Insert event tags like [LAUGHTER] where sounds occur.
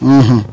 [HESITATION] [HESITATION]